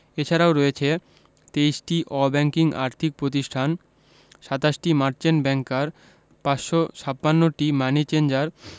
এছাড়াও রয়েছে ২৩টি অব্যাংকিং আর্থিক প্রতিষ্ঠান ২৭টি মার্চেন্ট ব্যাংকার ৫৫৬টি মানি চেঞ্জার